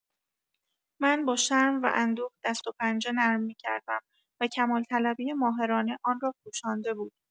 من با شرم و اندوه دست‌وپنجه نرم می‌کردم و کمال‌طلبی ماهرانه آن را پوشانده بود.